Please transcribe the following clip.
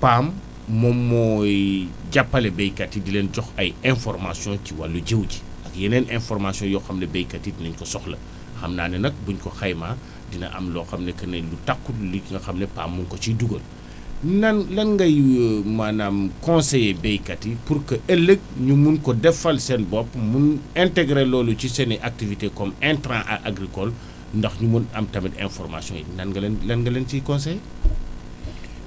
PAM moom mooy jàppale béykat yi di leen jox ay informations ci wàllu jiw ji ak yeneen information yoo xam ne béykat yi nañ ko soxla xam naa ne nag bu ñu ko xaymaa dina am loo xam ne que ne lu takku li nga xam ne PAM mu ngi ko ciy dugal nan lan ngay maanaam conseillé béykat yi pour que ëllëg ñu mun ko defal seen bopp mu intégré loolu ci seen i activité comme intrant à agricole ndax ñu mun am tamit information yi nan nga leen di lan nga leen ciy conseillé